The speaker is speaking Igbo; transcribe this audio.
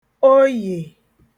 Oyè